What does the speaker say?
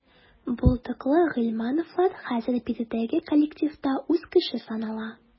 Булдыклы гыйльмановлар хәзер биредәге коллективта үз кеше санала.